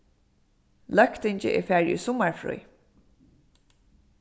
løgtingið er farið í summarfrí